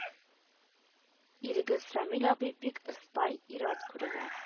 - ирегез рамил абый бик ыспай ир-ат күренә